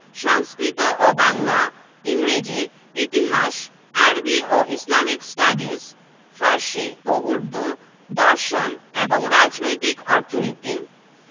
জাতীয় ফুলঃ শাপলা জাতীয় ফলঃ কাঁঠাল জাতীয় পাখিঃ দোয়েল জাতীয় মাছঃ ইলিশ জাতীয় গাছঃ আম জাতীয় প্রাণীঃ